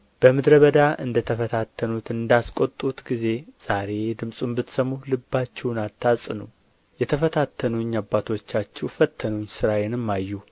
በምድረ በዳ እንደ ተፈታተኑት እንዳስቈጡት ጊዜ ዛሬ ድምፁን ብትሰሙ ልባችሁን አታጽኑ የተፈታተኑኝ አባቶቻችሁ ፈተኑኝ ሥራዬንም አዩ